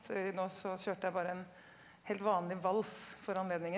nå så kjørte jeg bare en helt vanlig vals for anledningen.